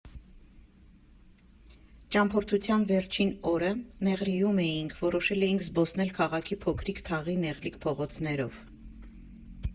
Ճամփորդության նախավերջին օրը Մեղրիում էինք, որոշել էինք զբոսնել քաղաքի Փոքր Թաղի նեղլիկ փողոցներով։